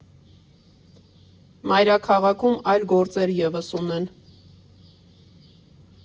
Մայրաքաղաքում այլ գործեր ևս ունեն։